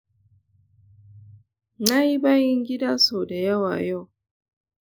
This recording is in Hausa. nayi bayin gida sau da yawa yau.